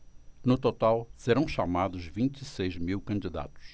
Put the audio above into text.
no total serão chamados vinte e seis mil candidatos